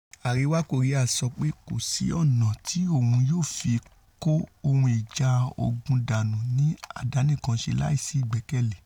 Àríwá Kòríà sọ pé 'kòsí ọ̀nà' ti òun yóò fi kó ohun ìjà ogun dánù ní àdánìkànṣe láìsí ìgbẹkẹlé